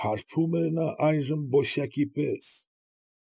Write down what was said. Հարբում էր նա այժմ բոսյակի պես։